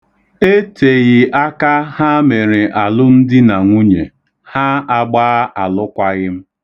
Eteghị aka ha mere alụmdinanwunye, ha agbaa alụkwaghịm.